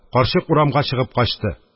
Карчык урамга чыгып качты.